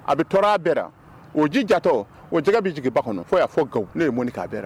A bɛ tora a bɛɛ o ji jatɔ o jɛgɛ bɛ jigin ba kɔnɔ fɔ y'a fɔ ne ye mun k'a bɛɛ